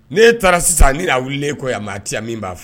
N'e taara sisan ni' wili e kɔ yan maaya min b'a fɔ